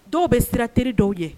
Dɔw be siran teri dɔw ɲɛ